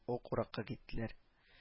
Уракка киттеләр